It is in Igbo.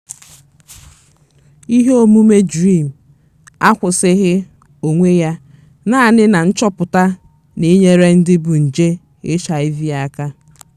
GV: Ihe omume DREAM akwụsịghị onwe ya naanị na nchọpụta na ịnyere ndị bu nje HIV aka.